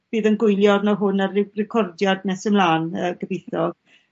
bydd yn gwylio arno hwn ar ryw recordiad nes ymlan yy gobitho.